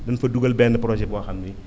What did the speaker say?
nan fa dugal benn projet boo xam ne